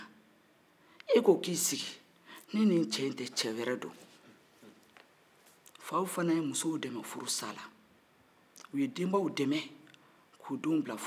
ni nin cɛ in tɛ cɛ wɛrɛ don faw fɛnɛ ye musow dɛnmɛ furusa la u ye denbaw dɛnmɛ k'u denw bila furusa la